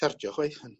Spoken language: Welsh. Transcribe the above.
cardio chwaith on-